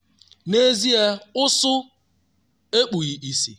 N’ezie ụsụ ekpughị isi.